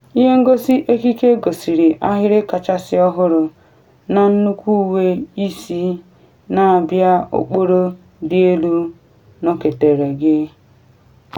Ihe ngosi ekike gosiri ahịrị kachasị ọhụrụ na nnukwu uwe isi na abịa Okporo Dị Elu nọketere gị